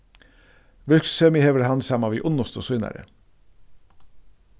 virksemið hevur hann saman við unnustu sínari